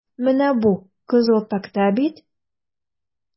Менә бу кызыл такта бит?